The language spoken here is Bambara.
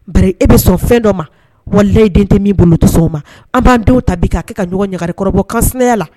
Bari e be sɔn fɛn dɔ ma. Walayi den tɛ min bolo o te sɔn ma. An ban denw ta bi ka kɛ ka ɲɔgɔn ɲakarikɔrɔbɔ kansina ya la.